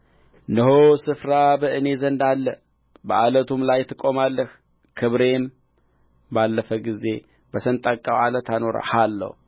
እነሆ ስፍራ በእኔ ዘንድ አለ በዓለቱም ላይ ትቆማለህ ክብሬም ባለፈ ጊዜ በሰንጣቃው ዓለት አኖርሃለሁ